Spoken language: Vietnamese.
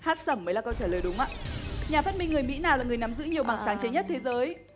hát xẩm mới là câu trả lời đúng ạ nhà phát minh người mỹ nào là người nắm giữ nhiều bằng sáng chế nhất thế giới